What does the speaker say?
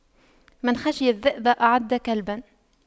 من خشى الذئب أعد كلبا